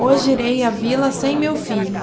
hoje irei à vila sem meu filho